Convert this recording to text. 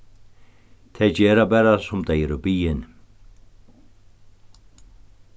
tey gera bara sum tey eru biðin